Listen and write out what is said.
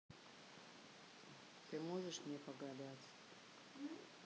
ты можешь мне погадать